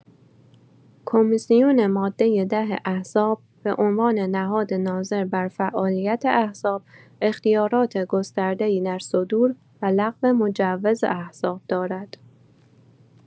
کمیسیون ماده ۱۰ احزاب به عنوان نهاد ناظر بر فعالیت احزاب، اختیارات گسترده‌ای در صدور و لغو مجوز احزاب دارد.